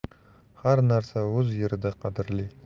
har narsa o'z yerida qadrli